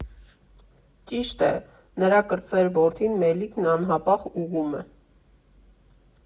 Ճիշտ է, նրա կրտսեր որդին՝ Մելիքն անհապաղ ուղղում է.